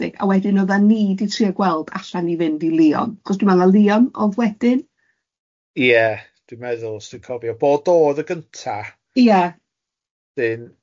A wedyn oeddan ni di trio gweld allan i fynd i Lyon, achos dwi'n meddwl Lyon oedd wedyn. Ia, dwi'n meddwl os dwin cofio, Bordeaux odd y gynta... Ia. ...a wedyn